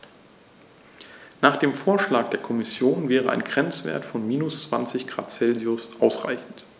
Nach dem Vorschlag der Kommission wäre ein Grenzwert von -20 ºC ausreichend.